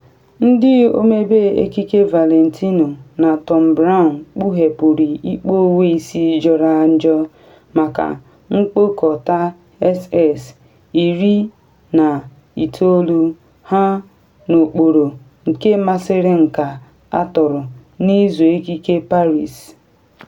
Ndị ọmebe ekike Valentino na Thom Browne kpughepuru ikpo uwe isi jọrọ njọ maka mkpokọta SS19 ha n’okporo nke masịrị nka atọrọ na Izu Ekike Paris.